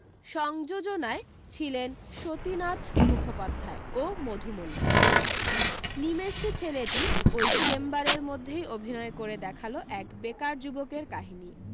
সংযোজনায় ছিলেন সতীনাথ মুখোপাধ্যায় ও মধুমন্তী নিমেষে ছেলেটি ওই চেম্বারের মধ্যেই অভিনয় করে দেখাল এক বেকার যুবকের কাহিনী